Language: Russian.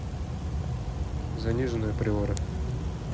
заниженая приора